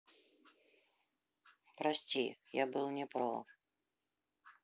прости я был не про